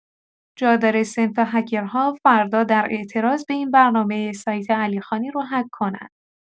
جا داره صنف هکرها فردا در اعتراض به این برنامه سایت علیخانی رو هک کنن.